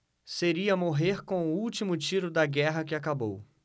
seria morrer com o último tiro da guerra que acabou